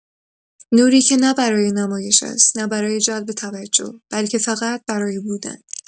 نوری که نه برای نمایش است، نه برای جلب توجه، بلکه فقط برای بودن.